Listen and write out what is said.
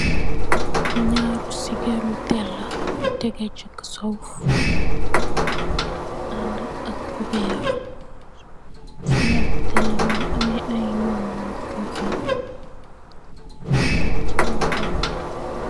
Nyaru sujèrr lu tèlla yu tégé ci suuf, andak ak cubèr. Sujèrr bu tèll bi mungi ameh ay ñuul, ñuul yu hëm-hëm tégu ci kaw karo.